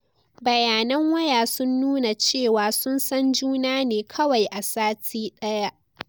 bayanan waya sun nuna cewa sun san juna ne kawai a sati daya.